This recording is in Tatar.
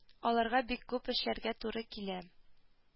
Аларга бик күп эшләргә туры килә